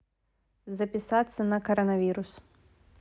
записаться на коронавирус